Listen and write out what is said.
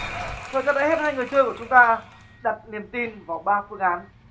thời gian đã hết hai người chơi của chúng ta đặt niềm tin vào ba phương án